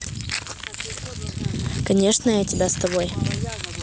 конечно я тебя с тобой